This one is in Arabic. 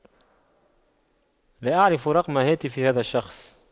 لا أعرف رقم هاتف هذا الشخص